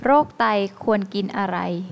โรคไตควรกินอะไร